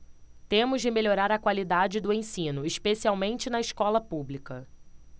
temos de melhorar a qualidade do ensino especialmente na escola pública